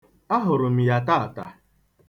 Ahụrụ m ya taata.